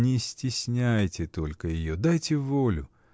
— Не стесняйте только ее, дайте волю.